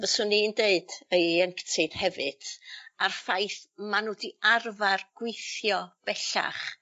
fyswn i'n deud y ieuenctid hefyd a'r ffaith ma' n'w 'di arfar gweithio bellach